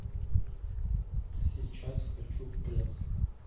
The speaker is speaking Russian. а сейчас хочу в пляс